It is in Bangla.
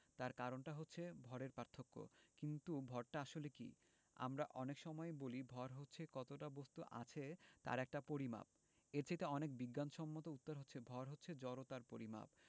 তার কারণটা হচ্ছে ভরের পার্থক্য কিন্তু ভরটা আসলে কী আমরা অনেক সময়েই বলি ভর হচ্ছে কতটা বস্তু আছে তার একটা পরিমাপ এর চাইতে অনেক বিজ্ঞানসম্মত উত্তর হচ্ছে ভর হচ্ছে জড়তার পরিমাপ